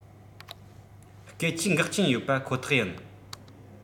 སྐད ཆའི འགག རྐྱེན ཡོད པ ཁོ ཐག ཡིན